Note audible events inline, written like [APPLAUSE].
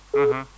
[NOISE] [HESITATION] [HESITATION]